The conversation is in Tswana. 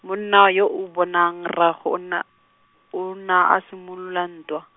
mo nna yo o bonang rraag-, o na, o na a simolola ntwa.